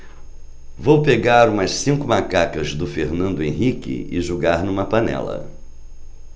vou pegar umas cinco macacas do fernando henrique e jogar numa panela